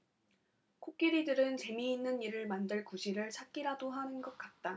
코끼리들은 재미있는 일을 만들 구실을 찾기라도 하는 것 같다